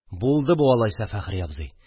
– булды бу, алайса, фәхри абзый!